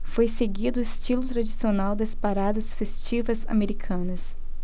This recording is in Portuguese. foi seguido o estilo tradicional das paradas festivas americanas